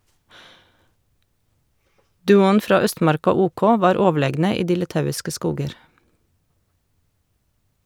Duoen fra Østmarka OK var overlegne i de litauiske skoger.